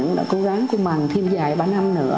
cố gắng chân bằng thêm dài ba năm nữa